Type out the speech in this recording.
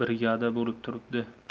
bir brigada bo'lib turibdi